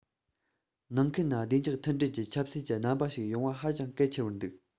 ནང ཁུལ ན བདེ འཇགས མཐུན སྒྲིལ གྱི ཆབ སྲིད ཀྱི རྣམ པ ཞིག ཡོང བ ཧ ཅང གལ ཆེ བར འདུག